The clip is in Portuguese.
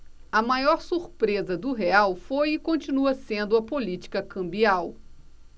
a maior surpresa do real foi e continua sendo a política cambial